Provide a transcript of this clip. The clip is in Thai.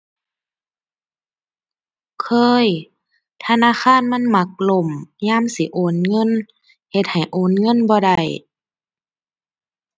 เคย ธนาคารมันมักล่ม ยามสิโอนเงิน เฮ็ดให้โอนเงินบ่ได้